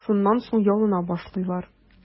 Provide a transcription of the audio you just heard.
Шуннан соң ялына башлыйлар.